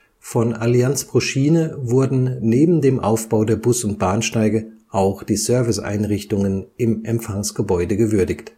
Von Allianz pro Schiene wurde neben dem Aufbau der Bus - und Bahnsteige auch die Serviceeinrichtungen im Empfangsgebäude gewürdigt